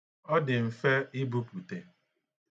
Ọ dị mfe ibupute.